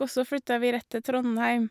Og så flytta vi rett til Trondheim.